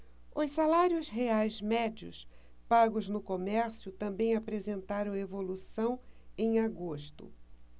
os salários reais médios pagos no comércio também apresentaram evolução em agosto